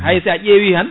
hay sa ƴzwi tan